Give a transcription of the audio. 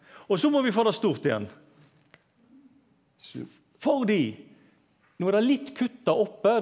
og så må vi få det stort igjen fordi no er det litt kutta oppe.